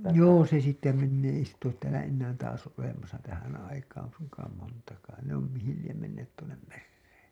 joo se sitten menee ei sitä ole täällä enää taas olemassa tähän aikaan suinkaan montakaan ne on mihin lie menneet tuonne mereen